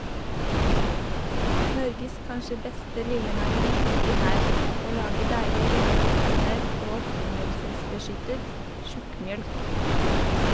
Norges kanskje beste lille meieri ligger her, og lager deilig rømme, smør og opprinnelsesbeskyttet tjukkmjølk.